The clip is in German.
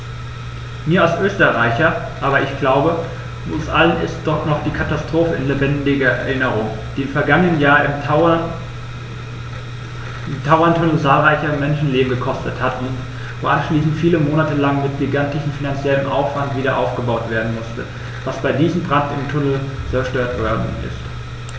Mir als Österreicher, aber ich glaube, uns allen ist noch die Katastrophe in lebendiger Erinnerung, die im vergangenen Jahr im Tauerntunnel zahlreiche Menschenleben gekostet hat und wo anschließend viele Monate lang mit gigantischem finanziellem Aufwand wiederaufgebaut werden musste, was bei diesem Brand im Tunnel zerstört worden ist.